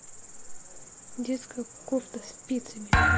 детская кофта спицами